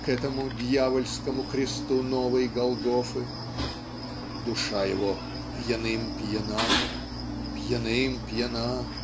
к этому дьявольскому кресту новой Голгофы душа его "пьяным пьяна. пьяным пьяна"